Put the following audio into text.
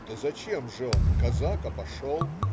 " "Да зачем же он, казак, а пошел?